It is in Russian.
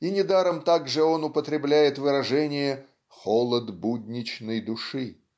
и недаром также он употребляет выражение: "холод будничной души".